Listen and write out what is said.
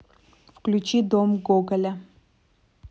включи дом гоголя